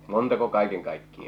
montako kaiken kaikkiaan